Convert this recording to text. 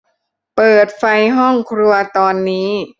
เปิดไฟห้องครัวตอนนี้